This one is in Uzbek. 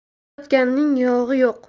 yotganning yog'i yo'q